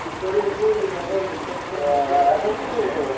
so yr un blwyddyn oedd hein yn tynnu lluniau shit o spaceships.